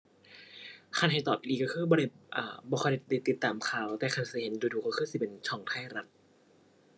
คันให้ตอบอีหลีก็คือบ่ได้ เอ่อ บ่ค่อยได้ติดตามข่าว แต่คันเคยเห็นดู๋ดู๋ก็คือสิเป็นช่องไทยรัฐ